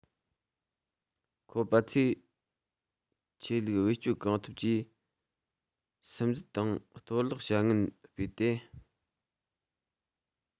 ཁོ པ ཚོས ཆོས ལུགས བེད སྤྱོད གང ཐུབ ཀྱིས སིམ འཛུལ དང གཏོར བརླག བྱ ངན སྤེལ ཏེ